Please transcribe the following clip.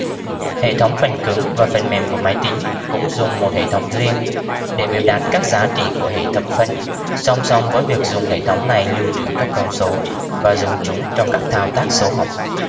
hệ thống phần cứng và phần mềm của máy tính cũng dùng một hệ thống riêng để biểu đạt các giá trị của hệ thập phân song song với việc dùng hệ thống này lưu trữ các con số và dùng chúng trong các thao tác số học